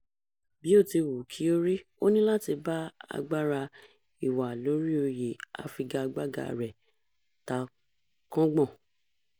Bíótiwùkíórí, ó ní láti bá agbára ìwàlóríoyè afigagbága rẹ̀ takọ̀ngbọ̀n.